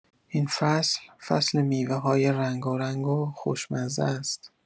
این فصل، فصل میوه‌های رنگارنگ و خوشمزه است.